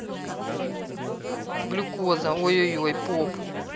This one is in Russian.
глюк'oza ой ой ой pop